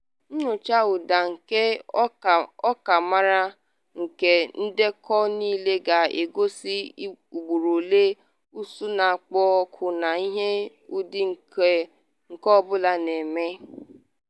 Nyocha ụda nke ọkammara nke ndekọ niile ga-egosi ugboro ole ụsụ n’akpọ oku na ihe ụdị nke ọ bụla na-eme.